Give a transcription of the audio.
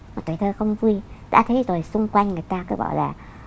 tuổi thơ không vui đã thấy rồi xung quanh người ta lại bảo là